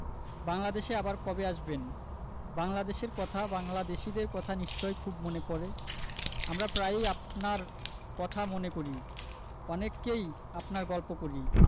বাংলাদেশে আবার কবে আসবেন বাংলাদেশের কথা বাংলাদেশীদের কথা নিশ্চয় খুব মনে পরে আমরা প্রায়ই আপনারর কথা মনে করি অনেককেই আপনার গল্প করি